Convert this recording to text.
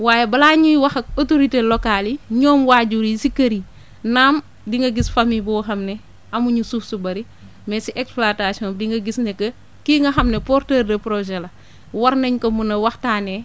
waaye balaa ñuy wax ak autorité locale yi ñoom waajur yi si kër yi naam dinga gis famille boo xam ne amuñu suuf su bëri mais si exploitation bi dinga gis ne que kii nga xam ne porteur de projet la war nañ ko mën a waxtaanee